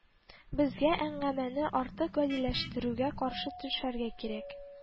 Безгә әңгәмәне артык гадиләштерүгә каршы төшәргә кирәк